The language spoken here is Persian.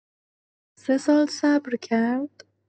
سه سال صبر کرد؟